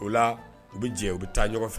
O la u bɛ jɛ u bɛ taa ɲɔgɔn fɛ